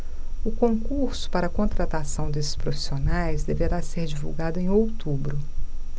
o concurso para contratação desses profissionais deverá ser divulgado em outubro